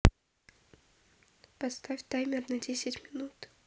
поставь таймер на десять минут